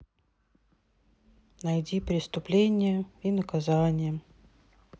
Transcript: найди преступление и наказание